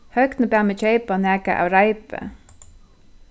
høgni bað meg keypa nakað av reipi